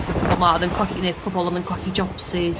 T'o'r pobol 'ma odd yn colli ne' pobol 'im yn colli jobsys...